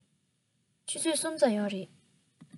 ཆུ ཚོད གསུམ ཙམ ཡོད རེད